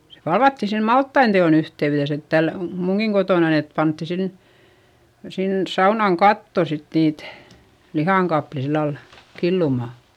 se palvattiin sen maltaiden teon yhteydessä että täällä minunkin kotonani että pantiin sinne sinne saunan kattoon sitten niitä lihan kappaleita sillä lailla killumaan